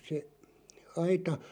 se aita